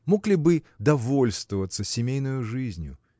мог ли бы довольствоваться семейною жизнью?